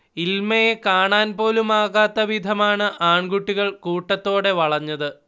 ഇൽമയെ കാണാൻപോലും ആകാത്ത വിധമാണ് ആൺകുട്ടികൾ കൂട്ടത്തോടെ വളഞ്ഞത്